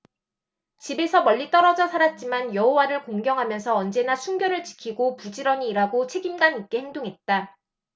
집에서 멀리 떨어져 살았지만 여호와를 공경하면서 언제나 순결을 지키고 부지런히 일하고 책임감 있게 행동했다